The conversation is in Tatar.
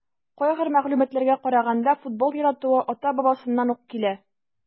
Кайбер мәгълүматларга караганда, футбол яратуы ата-бабасыннан ук килә.